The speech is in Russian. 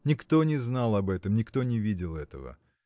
Никто не знал об этом, никто не видел этого.